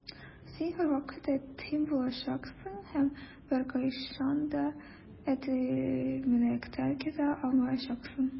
Син һәрвакыт ятим булачаксың һәм беркайчан да ятимлектән китә алмаячаксың.